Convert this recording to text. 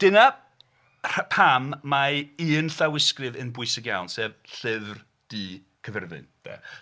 Dyna rh- pam mae un llawysgrif yn bwysig iawn, sef Llyfr Du Caerfyrddin 'de.